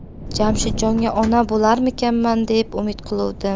jamshidjonga ona bo'larmikinman deb umid qiluvdim